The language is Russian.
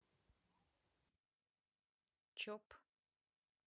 чоп